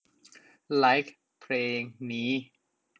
ไลค์เพลงนี้